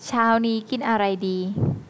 เช้านี้กินอะไรดี